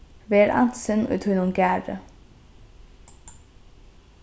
ver ansin í tínum garði